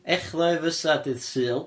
Echddoe fysa dydd Sul.